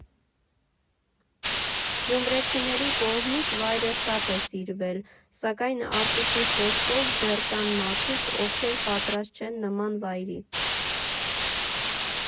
Գյումրեցիների կողմից վայրը շատ է սիրվել, սակայն, Արտուշի խոսքով, դեռ կան մարդիկ, ովքեր պատրաստ չեն նման վայրի։